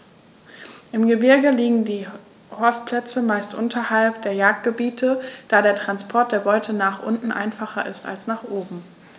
Im Gebirge liegen die Horstplätze meist unterhalb der Jagdgebiete, da der Transport der Beute nach unten einfacher ist als nach oben.